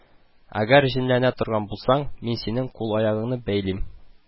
Әгәр җенләнә торган булсаң, мин синең кул-аягыңны бәйлим